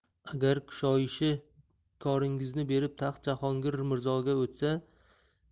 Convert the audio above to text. agar kushoyishi koringizni berib taxt jahongir mirzog'a